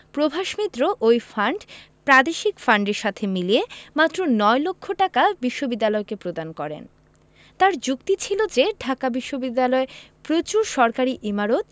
প্রভাস মিত্র ওই ফান্ড প্রাদেশিক ফান্ডেলর সাথে মিলিয়ে মাত্র নয় লক্ষ টাকা বিশ্ববিদ্যালয়কে প্রদান করেন তাঁর যুক্তি ছিল যে ঢাকা বিশ্ববিদ্যালয় প্রচুর সরকারি ইমারত